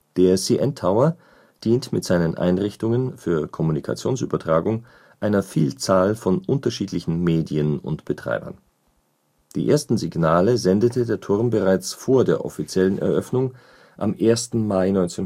Der CN Tower dient mit seinen Einrichtungen für Kommunikationsübertragung einer Vielzahl von unterschiedlichen Medien und Betreibern. Die ersten Signale sendete der Turm bereits vor der offiziellen Eröffnung, am 1. Mai 1976